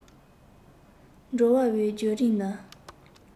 འགྲོ བའི བརྒྱུད རིམ ནི